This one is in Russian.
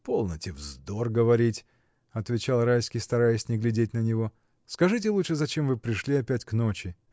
— Полноте вздор говорить, — отвечал Райский, стараясь не глядеть на него, — скажите лучше, зачем вы пришли опять к ночи?